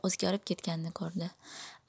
o'zgarib ketganini ko'rdi